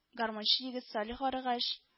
Армунчы егет салих арыгач